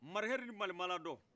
marihɛri ni marimaladɔ